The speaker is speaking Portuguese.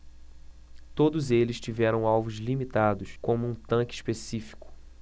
todos eles tiveram alvos limitados como um tanque específico